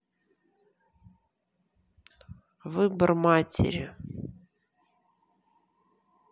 выбор матери